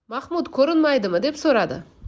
mahmud ko'rinmaydimi deb so'radi